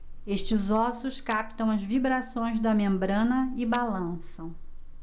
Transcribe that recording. estes ossos captam as vibrações da membrana e balançam